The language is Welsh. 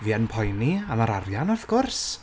Fi yn poeni am yr arian wrth gwrs.